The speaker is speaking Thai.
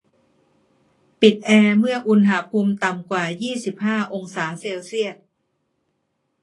ปิดแอร์เมื่ออุณหภูมิต่ำกว่ายี่สิบห้าองศาเซลเซียส